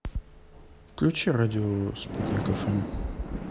включи радио спутник фм